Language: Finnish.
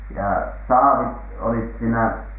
ja saavit olivat siinä